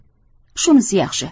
shunisi yaxshi